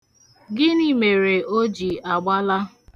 Gịnị mere o ji agbala?